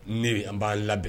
Ne an b'a labɛn